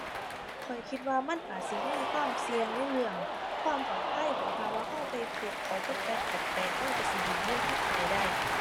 ข้อยคิดว่ามันอาจสิมีความเสี่ยงในเรื่องความปลอดภัย ปัญหาว่าเราไปผูกเข้ากับแอปแปลกแปลก มันเราสิดูดเงินเราออกไปได้